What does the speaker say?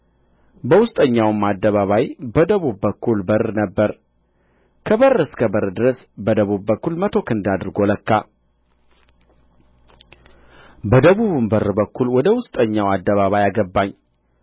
በውስጠኛውም አደባባይ በደቡብ በኩል በር ነበረ ከበር እስከ በር ድረስ በደቡብ በኩል መቶ ክንድ አድርጎ ለካ በደቡብም በር በኩል ወደ ውስጠኛው አደባባይ አገባኝ